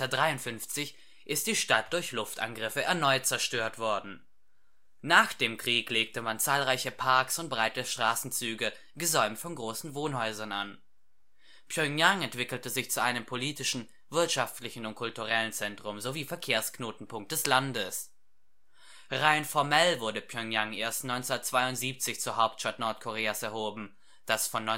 1953) ist die Stadt durch Luftangriffe erneut zerstört worden. Nach dem Krieg legte man zahlreiche Parks und breite Straßenzüge, gesäumt von großen Wohnhäusern, an. Pjöngjang entwickelte sich zu einem politischen, wirtschaftlichen und kulturellen Zentrum sowie Verkehrsknotenpunkt des Landes. Rein formell wurde Pjöngjang erst 1972 zur Hauptstadt Nordkoreas erhoben, das von